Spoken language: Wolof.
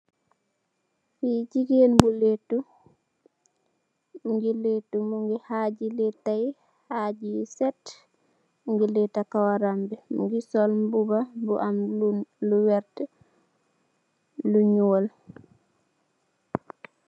Fi jigeen bu latu mongi latu mongi xagi latai xagi yu set mogi lata ganawam bi mogi sol mbuba bu am lu wertax lu nuul.